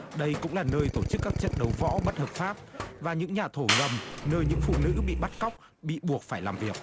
đây cũng là nơi tổ chức các trận đấu võ bất hợp pháp và những nhà thổ ngầm nơi những phụ nữ bị bắt cóc bị buộc phải làm việc